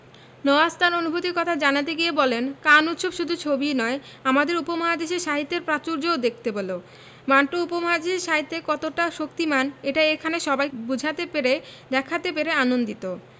নওয়াজ তার অনুভূতির কথা জানাতে গিয়ে বলেন কান উৎসব শুধু ছবিই নয় আমাদের উপমহাদেশের সাহিত্যের প্রাচুর্যও দেখতে পেল মান্টো উপমহাদেশের সাহিত্যে কতটা শক্তিমান এটা এখানে সবাই বোঝাতে পেরে দেখাতে পেরে আনন্দিত